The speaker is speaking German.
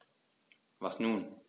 Was nun?